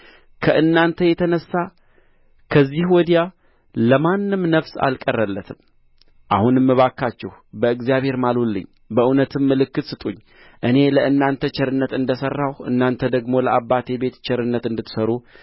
ከእናንተ የተንሣ ከዚያ ወዲያ ለማንም ነፍስ አልቀረለትም አሁንም እባካችሁ በእግዚአብሔር ማሉልኝ በእውነትም ምልክት ስጡኝ እኔ ለእናንተ ቸርነት እንደ ሠራሁ እናንተ ደግሞ ለአባቴ ቤት ቸርነት እንድትሠሩ